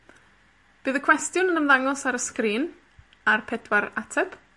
Bydd y cwestiwn yn ymddangos ar y sgrin, a'r pedwar ateb.